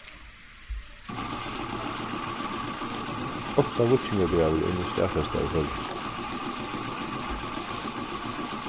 átta víkingagravir eru nú staðfestar í føroyum